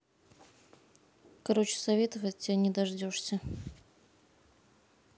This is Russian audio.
короче советов от тебя не дождешься